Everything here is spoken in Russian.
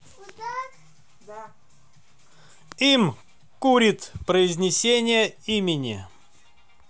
im курит произнесение имени